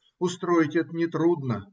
устроить это нетрудно.